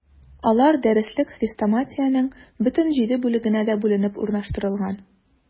Алар дәреслек-хрестоматиянең бөтен җиде бүлегенә дә бүленеп урнаштырылганнар.